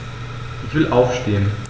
Ich will aufstehen.